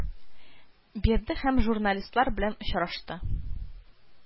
Бирде һәм журналистлар белән очрашты